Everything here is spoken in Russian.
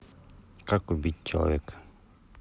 как убить человека